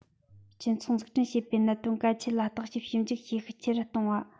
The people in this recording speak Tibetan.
སྤྱི ཚོགས འཛུགས སྐྲུན བྱེད པའི གནད དོན གལ ཆེན ལ བརྟག དཔྱད ཞིབ འཇུག བྱེད ཤུགས ཆེ རུ གཏོང བ